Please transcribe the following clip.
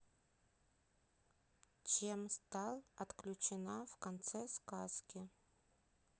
чем стал отключена в конце сказки